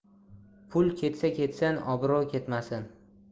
pul ketsa ketsin obro' ketmasin